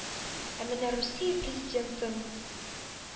Ә менә русия президентын